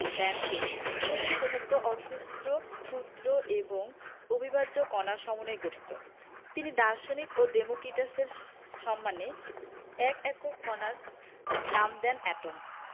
দেন যে প্রতিটি পদার্থ অজস্র ক্ষুদ্র এবং অবিভাজ্য কণার সমন্বয়ে গঠিত তিনি দার্শনিক ও ডেমোক্রিটাসের সম্মানে এক একক কণার নাম দেন এটম